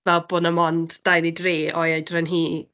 Fel bod 'na mond dau neu dri o'i oedran hi.